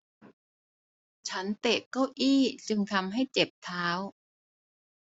ฉันเตะเก้าอี้จึงทำให้เจ็บเท้า